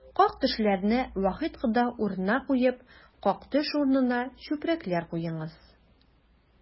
Как-төшләрне Вахит кода урынына куеп, как-төш урынына чүрәкләр куеңыз!